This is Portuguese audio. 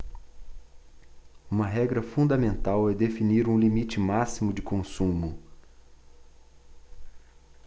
uma regra fundamental é definir um limite máximo de consumo